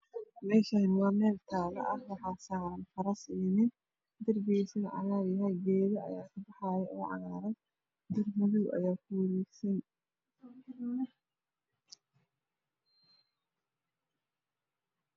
Meshani waa meel tala ah waxaa saran faras iyo nin derbigiisana cagar yahay geedo ayaa ka baxaaya oo cagaran bir madoow ayaa ku wareegsan